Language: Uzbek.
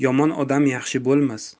yomon odam yaxshi bo'lmas